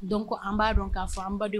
Donc an b'a dɔn k'a fɔ an badenw